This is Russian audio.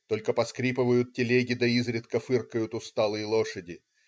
Только поскрипывают телеги, да изредка фыркают усталые лошади.